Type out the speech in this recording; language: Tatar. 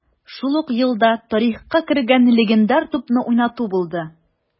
Шул ук елда тарихка кергән легендар тупны уйнату булды: